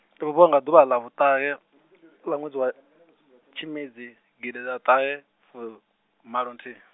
ndo bebiwa nga ḓuvha ḽa vhu ṱahe, ḽa ṅwedzi, wa tshimedzi gidiḓaṱahefumalonthihi.